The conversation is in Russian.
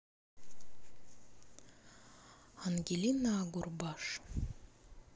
ангелина агурбаш